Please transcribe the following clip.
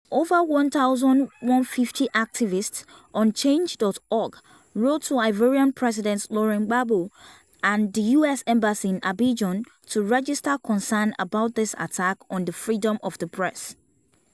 Over 1,150 activists on Change.org wrote to Ivorian President Laurent Gbagbo and the U.S. Embassy in Abidjan to register concern about this attack on the freedom of the press.